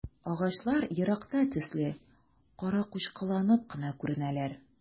Агачлар еракта төсле каракучкылланып кына күренәләр.